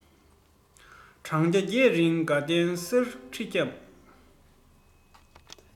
བགྲང བྱ བརྒྱད རིང དགའ ལྡན གསེར ཁྲི བསྐྱངས